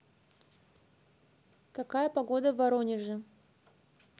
какая погода в воронеже